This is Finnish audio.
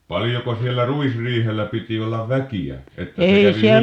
paljonko siellä ruisriihellä piti olla väkeä että se kävi hyvin